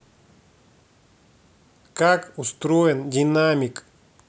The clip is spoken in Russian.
как устроен динамик